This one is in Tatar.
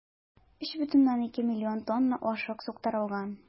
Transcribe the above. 3,2 млн тонна ашлык суктырылган.